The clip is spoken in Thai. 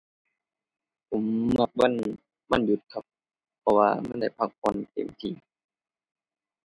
ผมมักวัน วันหยุดครับ เพราะว่ามันได้พักผ่อนเต็มที่